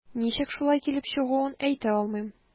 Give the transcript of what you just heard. Ничек шулай килеп чыгуын әйтә алмыйм.